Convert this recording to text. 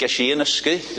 Gesh i 'yn nysgu